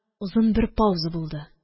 Озын бер пауза булды.